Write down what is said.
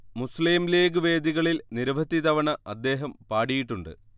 മുസ്ലീം ലീഗ് വേദികളിൽ നിരവധി തവണ അദ്ദേഹം പാടിയിട്ടുണ്ട്